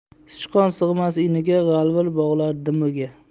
sichqon sig'mas iniga g'alvir bog'lar dumiga